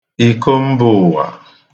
iko mbụụwa